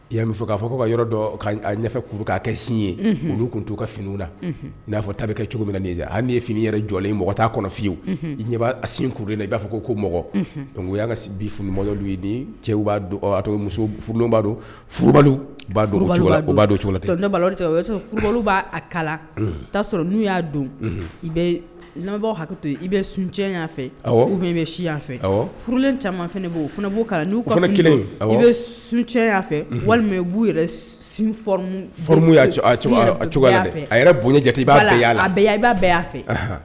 I y'a fɔ'a ko ka yɔrɔ dɔn kuru k'a kɛ sin ye olu tun t to u ka finiw na n'a fɔ ta bɛ kɛ cogo min mina na hali' ye f fini yɛrɛ jɔlen mɔgɔ t' a kɔnɔ fiyewu ɲɛa sinkurulen i b'a fɔ ko mɔgɔ dɔnku y' bi f ye cɛw b' muso b'a don'a b'a cogo o y'a sɔrɔ furu b'a kala'a sɔrɔ n'u y'a don i bɛ hakɛ to yen i bɛ suncɛ fɛ bɛ si fɛ furulen caman fana'' fana kelen i bɛ suncɛ fɛ walima u b'u yɛrɛ fɛ a bon jate b'a i'a fɛ